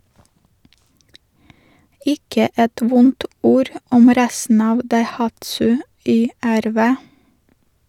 Ikke et vondt ord om resten av Daihatsu YRV.